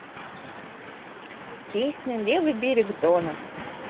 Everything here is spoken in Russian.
песня левый берег дона